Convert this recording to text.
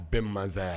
U bɛɛ masaya